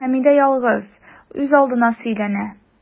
Хәмидә ялгыз, үзалдына сөйләнә.